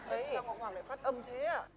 sao ngọc hoàng lại phát âm thế ạ